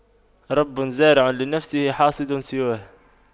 رب زارع لنفسه حاصد سواه